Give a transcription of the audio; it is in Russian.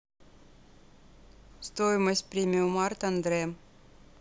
стоимость премиумарт андре